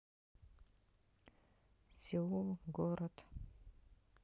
сеул город